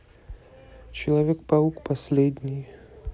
человек паук последний